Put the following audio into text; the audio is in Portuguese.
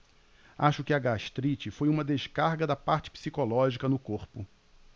acho que a gastrite foi uma descarga da parte psicológica no corpo